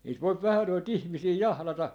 niitä voi vähän noita ihmisiä jahdata